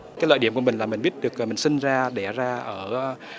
cái lợi điểm của mình là mình biết được mình sinh ra đẻ ra ở